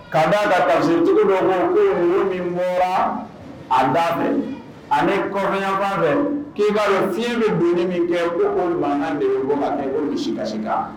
' d' a ka pa cogo dɔ ma ko min bɔra a da fɛ ani kɔyafan fɛ k'i b'a dɔn fiɲɛyɛn bɛ boli min kɛ ko ko mankan de bɔ ko misi si lasesi kan